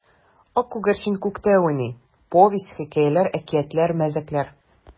Ак күгәрчен күктә уйный: повесть, хикәяләр, әкиятләр, мәзәкләр.